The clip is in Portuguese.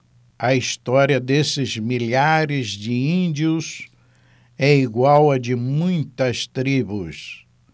a história desses milhares de índios é igual à de muitas tribos